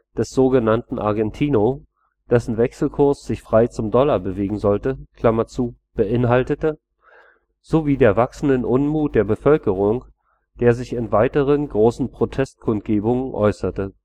des so genannten Argentino, dessen Wechselkurs sich frei zum Dollar bewegen sollte) beinhaltete, sowie der wachsende Unmut der Bevölkerung, der sich in weiteren großen Protestkundgebungen äußerte